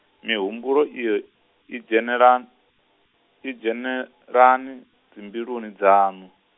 mihumbulo iyo, I dzhenelan-, i dzhenelani, dzimbiluni dzaṋu?